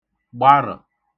gbarə̣̀